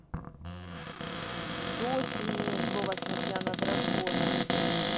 кто сильнее злого смутьяна дракона